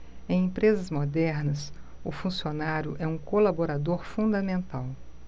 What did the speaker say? em empresas modernas o funcionário é um colaborador fundamental